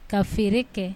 Ka feere kɛ